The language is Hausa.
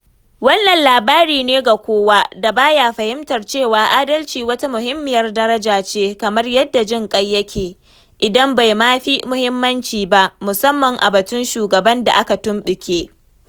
Wannan labari ne ga kowa da ba ya fahimtar cewa adalci wata muhimmiyar daraja ce, kamar yadda jinƙai yake — idan bai ma fi muhimmanci ba, musamman a batun shugaban da aka tumɓuke.